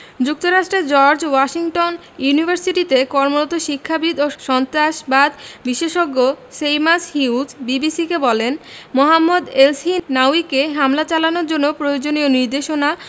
যুক্তরাষ্টের George Washington ইউনিভার্সিটিতে কর্মরত শিক্ষাবিদ ও সন্ত্রাসবাদ বিশেষজ্ঞ সেইমাস হিউজ বিবিসিকে বলেন মোহাম্মদ এলসহিনাউয়িকে হামলা চালানোর জন্য প্রয়োজনীয় নির্দেশনা